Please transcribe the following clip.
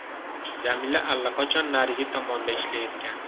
jamila allaqachon narigi tomonda ishlayotgandi